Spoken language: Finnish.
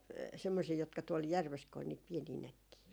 semmoisia jotka tuolla järvessä kun oli niitä pieniä näkkejä